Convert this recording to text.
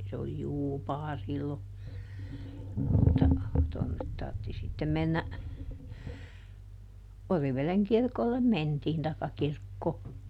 se oli Juupaa silloin mutta tuonne tarvitsi sitten mennä Oriveden kirkolle mentiin tai kirkkoon